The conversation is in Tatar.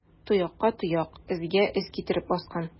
Тоякка тояк, эзгә эз китереп баскан.